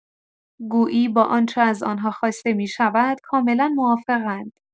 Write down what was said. گویی با آنچه از آن‌ها خواسته می‌شود کاملا موافق‌اند.